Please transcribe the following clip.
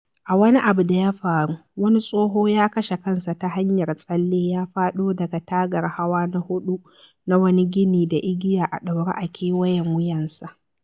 A wani abu da ya faru, wani tsoho ya kashe kansa ta hanyar tsalle ya faɗo daga tagar hawa na huɗu na wani gini da igiya a ɗaure a kewayen wuyansa.